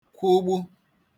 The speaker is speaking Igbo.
kwụgbu